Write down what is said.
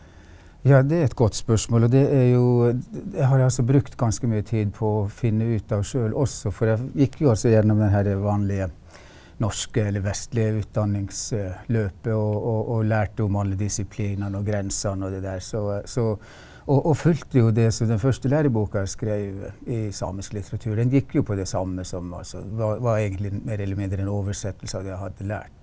ja det er et godt spørsmål og det er jo det har jeg altså brukt ganske mye tid på å finne ut av sjøl også for jeg gikk jo altså gjennom den her vanlige norske eller vestlige utdanningsløpet og og og lærte om alle disiplinene og grensene og det der så så og og fulgte jo det så den første læreboka jeg skreiv i samisk litteratur den gikk jo på det samme som altså var var egentlig mer eller mindre en oversettelse av det jeg hadde lært.